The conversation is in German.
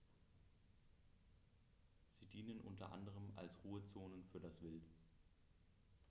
Sie dienen unter anderem als Ruhezonen für das Wild.